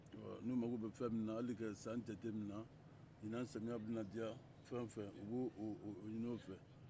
ɛɛ n'u mago bɛ fɛn minnu na hali ka san jateminɛ ɲinnan samiya bɛna diya fɛn o fɛn u bɛ o ɲinin o fɛ